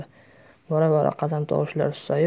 bora bora qadam tovushlari susayib